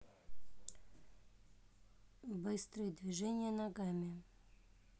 быстрые движения ногами